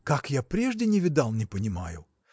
Как я прежде не видал – не понимаю!